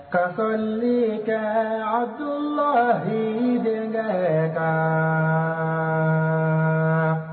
Ka fa tile kɛ a don deli kɛ ka